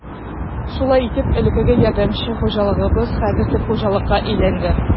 Шулай итеп, элеккеге ярдәмче хуҗалыгыбыз хәзер төп хуҗалыкка әйләнде.